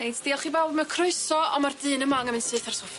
Reit diolch i bawb ma' croeso on' ma'r dyn yma angan mynd syth ar soffa.